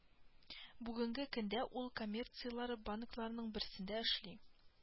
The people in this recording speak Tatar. Бүгенге көндә ул коммерцияле банкларның берсендә эшли